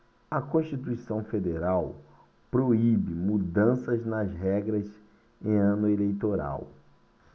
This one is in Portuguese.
a constituição federal proíbe mudanças nas regras em ano eleitoral